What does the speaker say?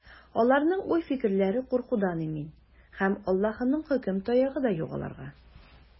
Аларның уй-фикерләре куркудан имин, һәм Аллаһының хөкем таягы да юк аларга.